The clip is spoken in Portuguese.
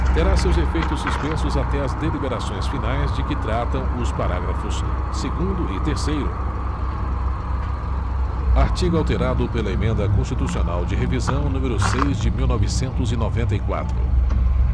terá seus efeitos suspensos até as deliberações finais de que tratam os parágrafos segundo e terceiro artigo alterado pela emenda constitucional de revisão número seis de mil novecentos e noventa e quatro